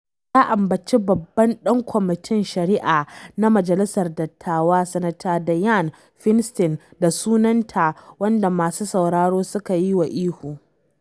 Ya ambaci babban dan Kwamitin Shari’a na Majalisar Dattawa Sanata Dianne Feinstein da sunanta, wanda masu sauraro suka yi wa ihu.